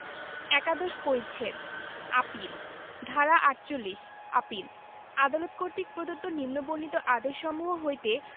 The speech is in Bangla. একাদশ পরিচ্ছেদ আপীল ধারা ৪৮ আপীল আদালত কর্তৃক প্রদত্ত নিম্নবর্ণিত আদেশসমূহ হইতে